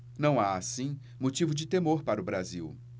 não há assim motivo de temor para o brasil